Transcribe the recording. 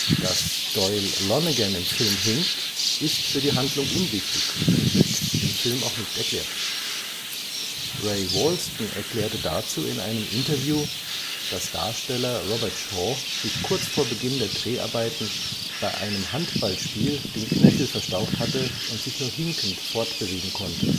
Dass Doyle Lonnegan im Film hinkt, ist für die Handlung unwichtig und wird im Film auch nicht erklärt. Ray Walston erklärte dazu in einem Interview, dass Darsteller Robert Shaw sich kurz vor Beginn der Dreharbeiten bei einem Handballspiel den Knöchel verstaucht hatte und sich nur hinkend fortbewegen konnte